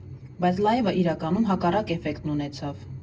Բայց լայվը իրականում հակառակ էֆեկտն ունեցավ.